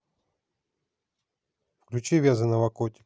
включи вязаного котика